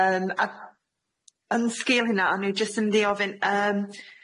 Yym a- yn sgil hynna o'n nw jyst yn mynd i ofyn yym